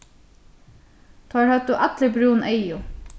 teir høvdu allir brún eygu